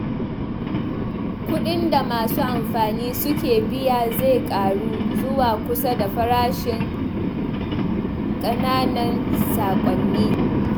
Kuɗin da masu amfani suke biya zai ragu zuwa kusa da farashin ƙananan saƙonni.